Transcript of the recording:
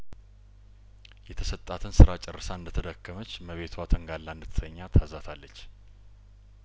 የተሰጣትን ስራ ጨርሳ እንደተዳከመች እመቤቷ ተንጋ ላ እንድት ተኛ ታዛታለች